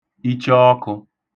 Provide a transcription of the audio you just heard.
ichọọk̇ụ̄